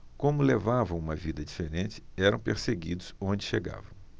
como levavam uma vida diferente eram perseguidos onde chegavam